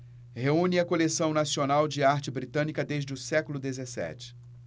reúne a coleção nacional de arte britânica desde o século dezessete